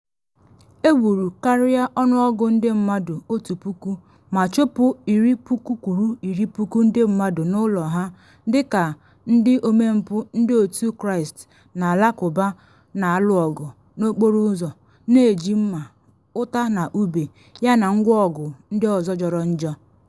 Egburu karịa ọnụọgụ ndị mmadụ 1,000 ma chụpụ iri puku kwụrụ iri puku ndị mmadụ n’ụlọ ha dị ka ndị omempụ Ndị Otu Kraịst na Alakụba na alụ ọgụ n’okporo ụzọ, na eji mma, ụta na ube, yana ngwa-ọgụ ndị ọzọ jọrọ njọ.